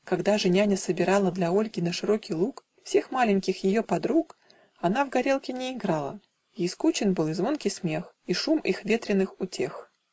Когда же няня собирала Для Ольги на широкий луг Всех маленьких ее подруг, Она в горелки не играла, Ей скучен был и звонкий смех, И шум их ветреных утех.